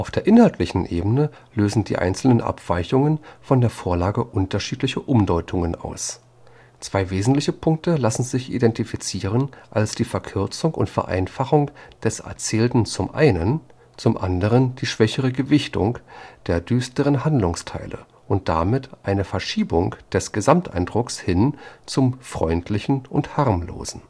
der inhaltlichen Ebene lösen die einzelnen Abweichungen von der Vorlage unterschiedliche Umdeutungen aus. Zwei wesentliche Punkte lassen sich identifizieren als die Verkürzung und Vereinfachung des Erzählten zum einen, zum anderen die schwächere Gewichtung der düsteren Handlungsteile und damit eine Verschiebung des Gesamteindrucks hin zum Freundlichen und Harmlosen